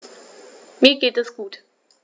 Mir geht es gut.